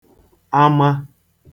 ama